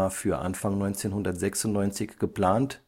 für Anfang 1996 geplant